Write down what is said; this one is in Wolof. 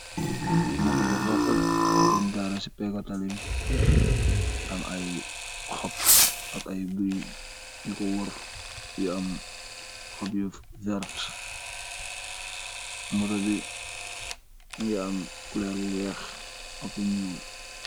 Moto bu rafet boñ gaaré ci pegga tali bi, am ay xob ak ay guy yu ko wër yu am xob yu vert, muto bi ngi am kuleer bu weex akbu ñuul